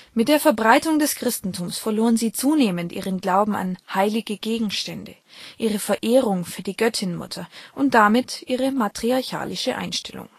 Mit der Verbreitung des Christentums verloren sie zunehmend ihren Glauben an heilige Gegenstände, ihre Verehrung für die Göttinmutter und damit ihre matriarchalische Einstellung